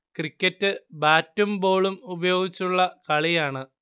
cricket ബാറ്റും ബോളും ഉപയോഗിച്ചുള്ള കളിയാണ്